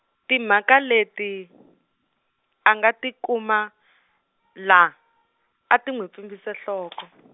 timhaka leti, a nga ti kuma , la, a ti n'wi pfimbise nhloko.